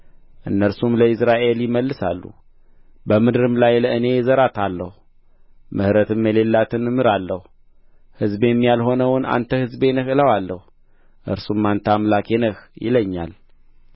እነርሱም ለኢይዝራኤል ይመልሳሉ በምድርም ላይ ለእኔ እዘራታለሁ ምሕረትም የሌላትን እምራለሁ ሕዝቤም ያልሆነውን አንተ ሕዝቤ ነህ እለዋለሁ እርሱም አንተ አምላኬ ነህ ይለኛል